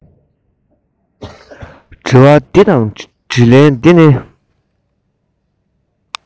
དྲི བ འདི དང དྲིས ལན འདི ནི